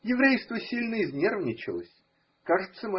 Еврейство сильно изнервничалось; кажется.